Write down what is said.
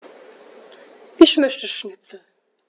Ich möchte Schnitzel.